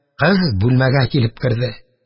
Кыз бүлмәгә килеп керде.